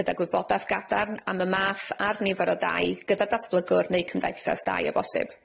gyda gwybodath gadarn am y math a'r nifer o dai gyda datblygwr neu cymdeithas dai o bosib.